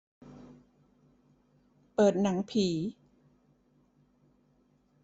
เปิดหนังผี